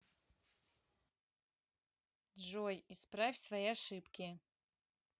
джой исправь свои ошибки